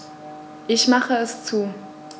Ich mache es zu.